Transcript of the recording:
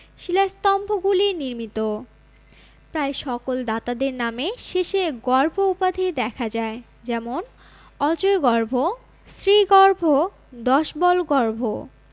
শিলাস্তম্ভগুলি নির্মিত প্রায় সকল দাতাদের নামের শেষে গর্ভ উপাধি দেখা যায় যেমন অজয়গর্ভ শ্রীগর্ভ দশবলগর্ভ